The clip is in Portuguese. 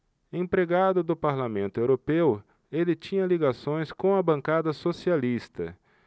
empregado do parlamento europeu ele tinha ligações com a bancada socialista